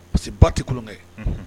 Parce que ba tɛ tulonkɛ, unhun